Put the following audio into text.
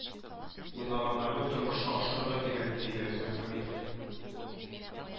Уйлаганнарны тормышка ашырырга кирәк, диде Рөстәм Хәмитов